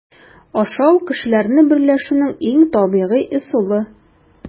Ашау - кешеләрне берләшүнең иң табигый ысулы.